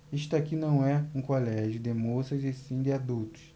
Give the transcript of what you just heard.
isto aqui não é um colégio de moças e sim de adultos